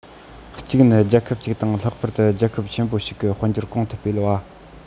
གཅིག ནི རྒྱལ ཁབ ཅིག དང ལྷག པར དུ རྒྱལ ཁབ ཆེན པོ ཞིག གི དཔལ འབྱོར གོང དུ སྤེལ བ